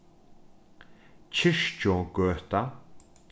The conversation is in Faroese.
kirkjugøta